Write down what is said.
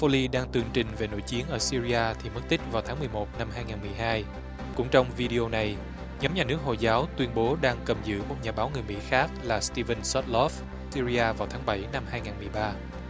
pho li đang tường trình về nội chiến ở sê ri a thì mất tích vào tháng mười một năm hai nghìn mười hai cũng trong vi đê ô này nhóm nhà nước hồi giáo tuyên bố đang cầm giữ một nhà báo người mỹ khác là sờ ti vừn sót lót sê ri ra vào tháng bảy năm hai nghìn mười ba